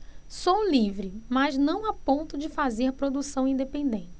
sou livre mas não a ponto de fazer produção independente